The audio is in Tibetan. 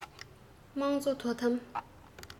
དམངས གཙོ དོ དམ